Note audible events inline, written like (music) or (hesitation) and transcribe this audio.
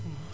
(hesitation) (hesitation)